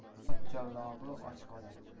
ot jallobi och qolar